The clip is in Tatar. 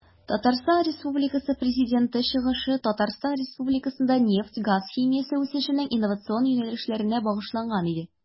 ТР Президенты чыгышы Татарстан Республикасында нефть-газ химиясе үсешенең инновацион юнәлешләренә багышланган иде.